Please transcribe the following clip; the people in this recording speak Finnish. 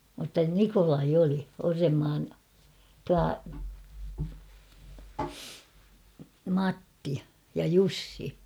mutta Nikolai oli Orrenmaan tuo Matti ja Jussi